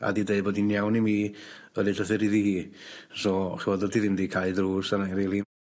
A 'di deu bod 'i'n iawn i mi yrru llythyr iddi hi so ch'mod o'dd 'di ddim 'di cae ddrws arna i rili.